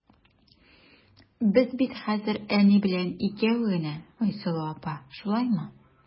Без бит хәзер әни белән икәү генә, Айсылу апа, шулаймы?